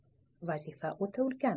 vazifa o'ta ulkan